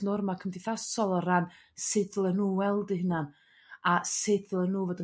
norma' cymdeithasol o ran sud dyle nhw weld 'u hunan a sud dylen nhw fod